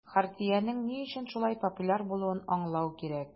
Хартиянең ни өчен шулай популяр булуын аңлау кирәк.